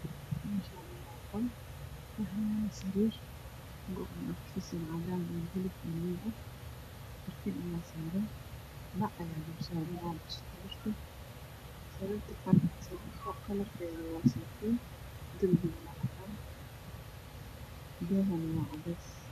Meeshaan waa qol waxaa yaalo sariir go ayaa kufidsan buluug iyo cadaan iyo madow ah. Barkin ayaa saaran bac ayaa dulsaaran sariirta. Sariirta kalarkeedu waa seytuun darbiga waa cadaan daahana waa cadeys.